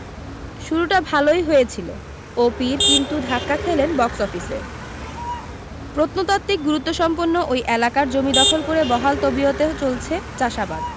শুরুটা ভালই হয়েছিলো ও পির কিন্তু ধাক্কা খেলেন বক্স অফিসে প্রত্নতাত্ত্বিক গুরুত্বসম্পন্ন ওই এলাকার জমি দখল করে বহাল তবিয়তে চলছে চাষবাদ